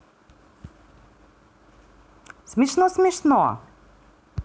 смешно смешно